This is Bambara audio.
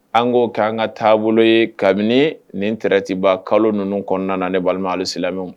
An ko ka an ka taabolo ye kabini nin tretiba kalo ninnu kɔnɔna ne balima hali silamɛ lamɛn